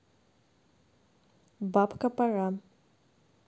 бабка пора